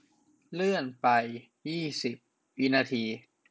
เลื่อนไปยี่สิบวินาที